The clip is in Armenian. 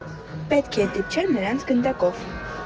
Պետք էր դիպչել նրանց գնդակով։